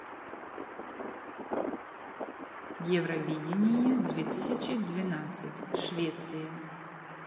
евровидение две тысячи двенадцать швеция